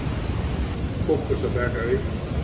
kokus at baka við